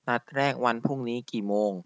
นัดแรกวันพรุ่งนี้กี่โมง